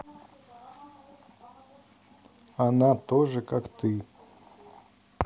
она тоже как ты